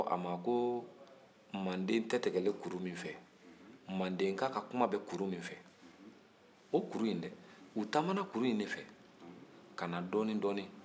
manden ka ka kuma bɛ kuru min fɛ o kuru in dɛ u taamana kuru in de fɛ ka na dɔɔnin-dɔɔnin